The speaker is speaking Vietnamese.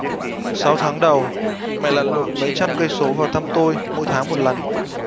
sáu tháng đầu mẹ lặn lội mấy trăm cây số vào thăm tôi mỗi tháng một lần